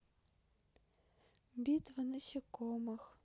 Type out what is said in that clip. битва насекомых